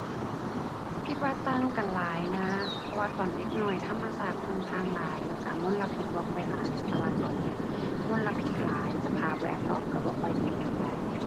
คิดว่าต่างกันหลายนะ เพราะว่าตอนเด็กน้อยธรรมชาติค่อนข้างหลายแล้วก็มลพิษบ่ค่อยหลาย แต่ว่าตอนเนี้ยมลพิษหลาย สภาพแวดล้อมก็บ่ค่อยดีปานใด